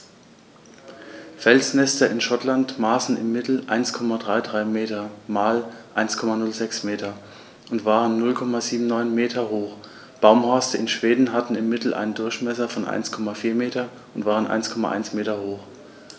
Felsnester in Schottland maßen im Mittel 1,33 m x 1,06 m und waren 0,79 m hoch, Baumhorste in Schweden hatten im Mittel einen Durchmesser von 1,4 m und waren 1,1 m hoch.